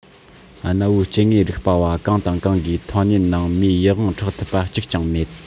གནའ བོའི སྐྱེ དངོས རིག པ བ གང དང གང གིས མཐོང རྙེད ནང མིའི ཡིད དབང འཕྲོག ཐུབ པ གཅིག ཀྱང མེད